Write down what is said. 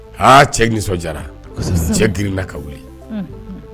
H cɛ nisɔndiyara cɛ grinna ka wele